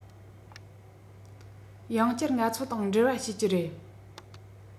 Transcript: ཡང བསྐྱར ང ཚོ དང འབྲེལ བ བྱེད ཀྱི རེད